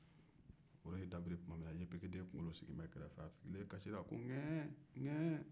woro dabirila tuma min na yefegeden kunkolo kasira kɛrɛfɛ